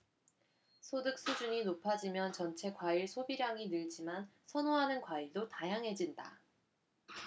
소득 수준이 높아지면 전체 과일 소비량이 늘지만 선호하는 과일도 다양해진다